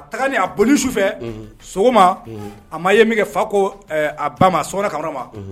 A taga ni a bo sufɛ sɔgɔma a ma ye min kɛ fa ko a ba a so ka ma